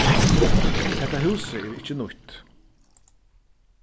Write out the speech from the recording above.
hetta húsið er ikki nýtt